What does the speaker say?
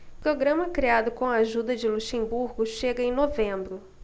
programa criado com a ajuda de luxemburgo chega em novembro